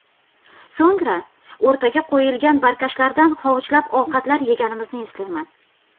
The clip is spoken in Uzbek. so'ngra o'rtaga qo'yilgan barkashlardan hovuchlab ovqatlar yeganimizni eslayman